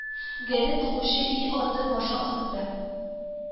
Гәзит укучы и аты башы астында